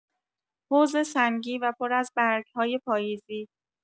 حوض سنگی و پر از برگ‌های پاییزی